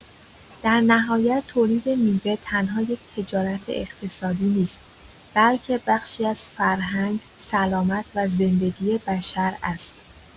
در نهایت، تولید میوه تنها یک تجارت اقتصادی نیست بلکه بخشی از فرهنگ، سلامت و زندگی بشر است.